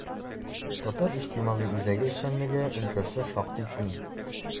ТИҮ эшчәнлеге өлкәсе шактый киң.